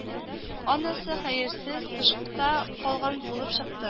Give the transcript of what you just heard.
Анысы хәерсез тышта калган булып чыкты